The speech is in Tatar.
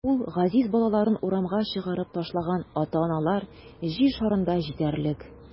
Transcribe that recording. Үз газиз балаларын урамга чыгарып ташлаган ата-аналар җир шарында җитәрлек.